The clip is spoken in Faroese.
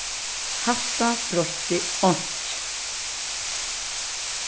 hatta broytti einki